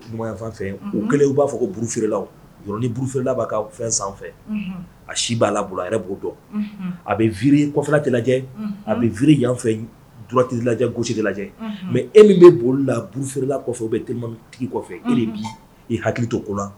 Kuma o kɛlen u b'a fɔ buruf feereerelaɔrɔn ni burufɛla' ka fɛn sanfɛ a si b'a la bolo yɛrɛ b'o dɔn a bɛffi lajɛ a bɛi yanfɛ duti lajɛ gosisi lajɛ mɛ e min bɛ bolila buru feerela kɔfɛ bɛ tematigi kɔfɛ g i hakili to ko la